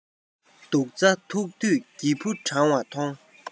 སྡུག རྩ ཐུག དུས སྒྱིད བུ གྲང བ མཐོང